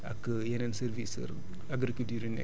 peut être ñi ñu bokkal ministère waa DRDR